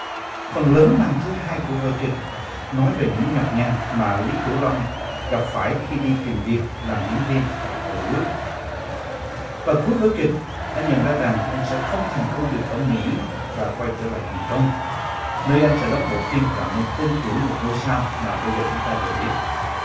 phần lớn màn thứ hai của vở kịch nói về những nhọc nhằn mà lý tiểu long gặp phải khi đi tìm việc làm diễn viên tại hô ly gút và cuốn vở kịch anh nhận ra rằng anh sẽ không thành công được ở mỹ và quay trở lại hồng công nơi anh sẽ đóng bộ phim làm nên tên tuổi một ngôi sao mà bây giờ chúng ta đều biết